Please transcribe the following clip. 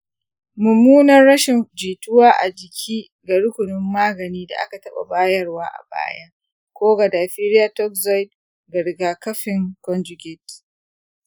mummunar rashin jituwa a jiki ga rukunin magani da aka taɓa bayarwa a baya ko ga diphtheria toxoid ga rigakafin conjugate